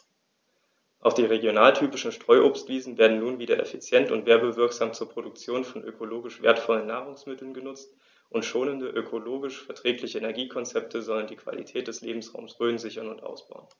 Auch die regionaltypischen Streuobstwiesen werden nun wieder effizient und werbewirksam zur Produktion von ökologisch wertvollen Nahrungsmitteln genutzt, und schonende, ökologisch verträgliche Energiekonzepte sollen die Qualität des Lebensraumes Rhön sichern und ausbauen.